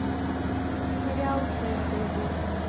сериал фэнтези